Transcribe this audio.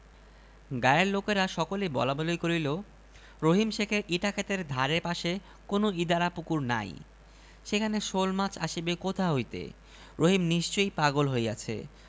গায়ের লোকেরা সকলেই বলাবলি করিল রহিম শেখের ইটাক্ষেতের ধারে পাশে কোনো ইদারা পুকুর নাই সেখানে শোলমাছ আসিবে কোথা হইতে রহিম নিশ্চয়ই পাগল হইয়াছে